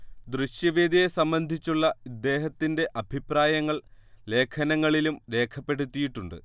ദൃശ്യവേദിയെ സംബന്ധിച്ചുള്ള ഇദ്ദേഹത്തിന്റെ അഭിപ്രായങ്ങൾ ലേഖനങ്ങളിലും രേഖപ്പെടുത്തിയിട്ടുണ്ട്